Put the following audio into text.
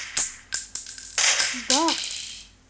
бах